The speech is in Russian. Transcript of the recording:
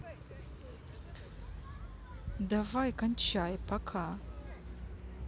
давай кончай пока